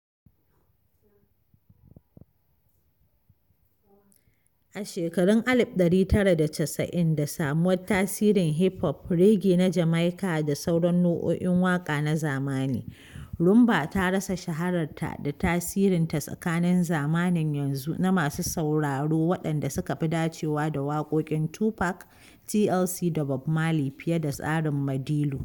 A shekarun 1990s, da samuwar tasirin hip-hop, reggae na Jamaica, da sauran nau’o’in waƙa na zamani, Rhumba ta rasa shahararta da tasirinta tsakanin zamanin yanzu na masu sauraro waɗanda suka fi dacewa da waƙoƙin Tupac, TLC, da Bob Marley fiye da tsarin Madilu.